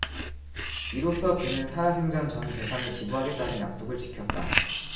이로써 그는 살아생전 전 재산을 기부하겠다는 약속을 지켰다